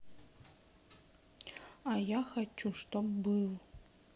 а я хочу чтоб был